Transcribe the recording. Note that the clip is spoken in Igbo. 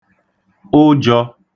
ụjọ̄